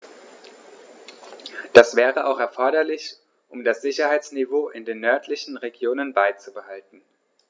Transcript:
Das wäre auch erforderlich, um das Sicherheitsniveau in den nördlichen Regionen beizubehalten.